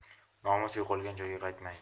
nomus yo'qolgan joyga qaytmaydi